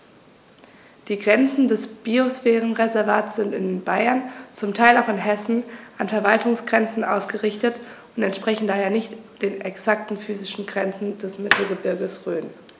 Die Grenzen des Biosphärenreservates sind in Bayern, zum Teil auch in Hessen, an Verwaltungsgrenzen ausgerichtet und entsprechen daher nicht exakten physischen Grenzen des Mittelgebirges Rhön.